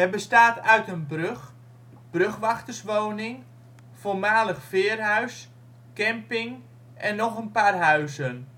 bestaat uit een brug, brugwachterswoning, voormalig veerhuis, camping en nog een paar huizen